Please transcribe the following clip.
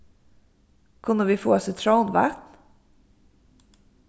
kunnu vit fáa sitrónvatn